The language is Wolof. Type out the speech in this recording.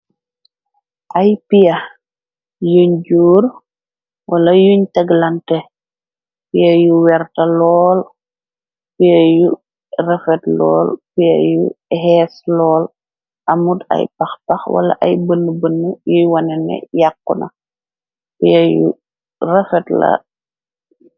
ay piex yuñ jóur wala yuñ taglante fee yu werta lool pee yu rëfet lool pee yu xees lool amut ay pax bax wala ay bënn bën yuy wone ne yàkqu na pee yu rëfet la